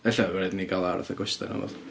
Ella bydd raid i ni gael o ar fatha gwestai neu rywbeth.